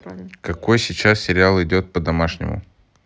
какой сейчас сериал идет по домашнему